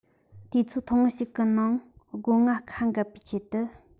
དུས ཚོད ཐུང ངུ ཞིག གི ནང སྒོ ང ཁ འགད པའི ཆེད དུ